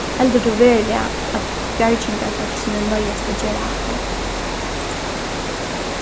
heldur tú veruliga at bjargingarfólkini noyðast at gera hatta